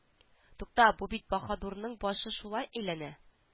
Тукта бу бит баһадурның башы шулай әйләнә